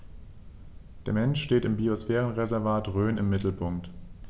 Der Mensch steht im Biosphärenreservat Rhön im Mittelpunkt.